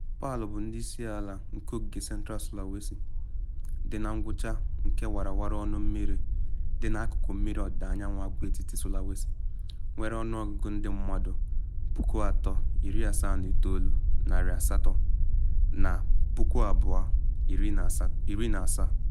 Palụ bụ isi ala nke ogige Central Sulawesi, dị na ngwụcha nke warawara ọnụ mmiri dị na akụkụ mmiri ọdịda anyanwụ agwaetiti Sulawesi, nwere ọnụọgụgụ ndị mmadụ 379,800 na 2017.